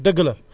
dëgg la